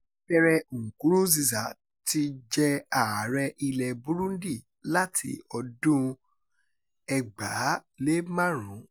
Pierre Nkurunziza ti jẹ ààrẹ ilẹ̀ Burundi láti ọdún 2005.